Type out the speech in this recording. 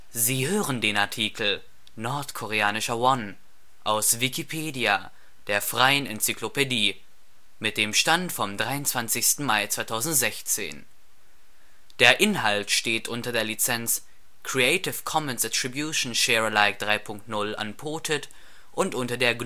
Sie hören den Artikel Nordkoreanischer Won, aus Wikipedia, der freien Enzyklopädie. Mit dem Stand vom Der Inhalt steht unter der Lizenz Creative Commons Attribution Share Alike 3 Punkt 0 Unported und unter der